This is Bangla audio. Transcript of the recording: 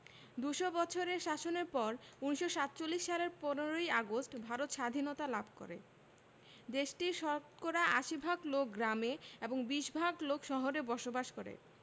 দু'শ বছরের শাসনের পর ১৯৪৭ সালের ১৫ ই আগস্ট ভারত সাধীনতা লাভ করেদেশটির শতকরা ৮০ ভাগ লোক গ্রামে এবং ২০ ভাগ লোক শহরে বসবাস করে